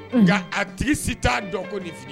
Nka a tigi si t'a dɔn ko nin fini